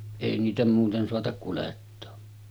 ei niitä muuten saata kuljettaa